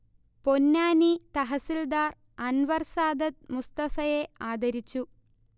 പൊന്നാനി തഹസിൽദാർ അൻവർ സാദത്ത് മുസ്തഫയെ ആദരിച്ചു